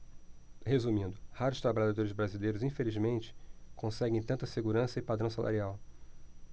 resumindo raros trabalhadores brasileiros infelizmente conseguem tanta segurança e padrão salarial